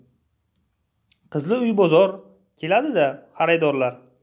qizlik uy bozor keladi da xaridorlar